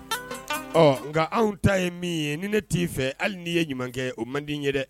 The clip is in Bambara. Nka anw ta ye min ye ni ne t'i fɛ hali nii ye ɲuman kɛ o man di ye dɛ